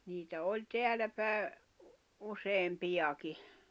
niitä oli täällä päin useampiakin